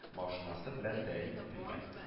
Машинасы белән тәэмин ителгән